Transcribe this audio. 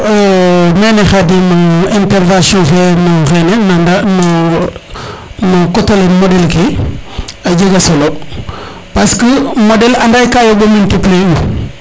iyo mene Khadim intervention fe no xene no no coté le moɗeɗl ke a jega solo parce que moɗel ka yoɓo multiplier u